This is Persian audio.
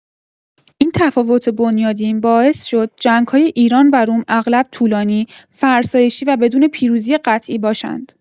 این تفاوت بنیادین باعث شد جنگ‌های ایران و روم اغلب طولانی، فرسایشی و بدون پیروزی قطعی باشند.